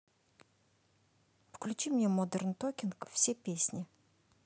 включи мне модерн токинг все песни